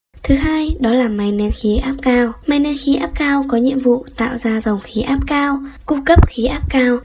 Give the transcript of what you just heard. thứ hai là máy nén khí áp cao máy nén khí áp cao có nhiệm vụ tạo ra dòng khí áp cao cung cấp khí áp cao